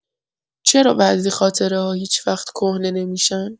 چرا بعضی خاطره‌ها هیچ‌وقت کهنه نمی‌شن؟